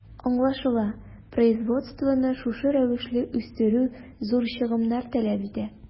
Аңлашыла, производствоны шушы рәвешле үстерү зур чыгымнар таләп итә.